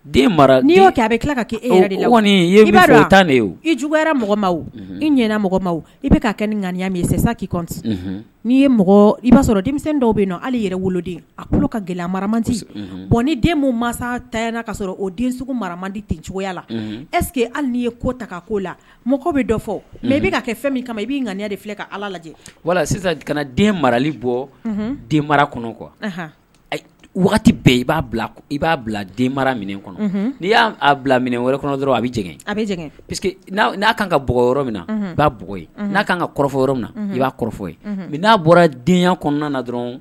Den mara n'i y'o kɛ a bɛ tila ka' e yɛrɛ dɔgɔnin i tan de i ju mɔgɔma i ɲ mɔgɔma i bɛ ka kɛ ni ŋaniya min ye'i n'i ye mɔgɔ i'a sɔrɔ denmisɛnmi dɔw bɛ na hali yɛrɛ woloden a ka gɛlɛya maramanti bɔn ni den mansa ta n' ka sɔrɔ o den mara mandi tɛ cogoyaya la eseke hali n'i ye ko ta ko la mɔgɔ bɛ dɔ fɔ mɛ bɛ kɛ fɛn min kama i bɛ' ŋ de filɛ ka ala lajɛ wala sisan kana den marali bɔ den mara kɔnɔ kɔ waati bɛɛ i b'a i b'a bila mara min kɔnɔ ni'i y'a bila minɛ wɛrɛ kɔnɔ dɔrɔn a bɛ a bɛ que n'a kan ka bɔ yɔrɔ min na i b ba n'a kan ka kɔrɔfɔ yɔrɔ min na i b'a kɔrɔfɔfɔ mɛ n'a bɔra den kɔnɔna dɔrɔn